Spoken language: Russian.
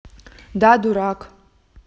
да дурак